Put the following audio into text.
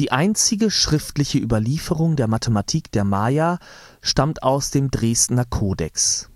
einzige schriftliche Überlieferung der Mathematik der Maya stammt aus dem Dresdner Kodex